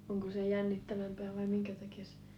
onko se jännittävämpi vai minkä takia se